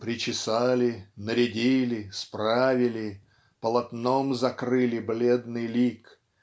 Причесали, нарядили, справили, Полотном закрыли бледный лик